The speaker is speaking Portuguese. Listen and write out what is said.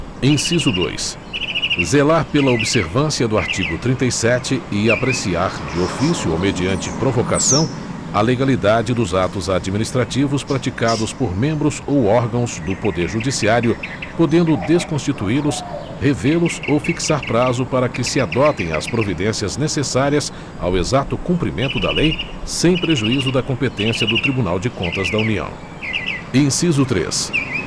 inciso dois zelar pela observância do artigo trinta e sete e apreciar de ofício ou mediante provocação a legalidade dos atos administrativos praticados por membros ou órgãos do poder judiciário podendo desconstituí los revê los ou fixar prazo para que se adotem as providências necessárias ao exato cumprimento da lei sem prejuízo da competência do tribunal de contas da união inciso três